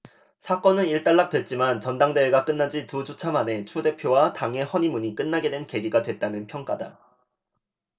사건은 일단락됐지만 전당대회가 끝난지 두 주차 만에 추 대표와 당의 허니문이 끝나게 된 계기가 됐다는 평가다